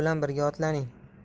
bilan birga otlaning